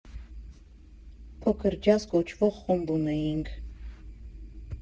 «Փոքր Ջազ» կոչվող խումբ ունեինք։